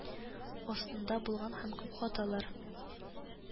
Астында булган һәм күп хаталар